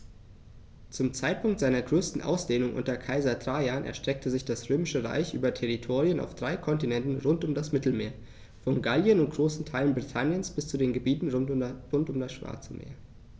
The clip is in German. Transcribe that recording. Zum Zeitpunkt seiner größten Ausdehnung unter Kaiser Trajan erstreckte sich das Römische Reich über Territorien auf drei Kontinenten rund um das Mittelmeer: Von Gallien und großen Teilen Britanniens bis zu den Gebieten rund um das Schwarze Meer.